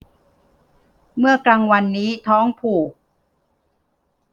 เมื่อกลางวันนี้ท้องผูก